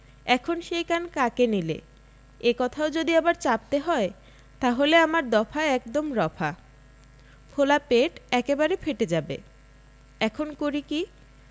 এখন সেই কান কাকে নিলে এ কথাও যদি আবার চাপতে হয় তাহলে আমার দফা একদম রফা ফোলা পেট এবারে ফেটে যাবে এখন করি কী